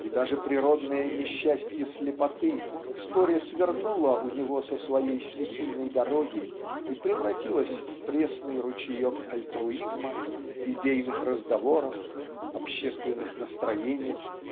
и даже природное несчастье слепоты вскоре свернуло у него со своей стихийной дороги и превратилось в пресный ручеек альтруизма идейных разговоров общественных настроений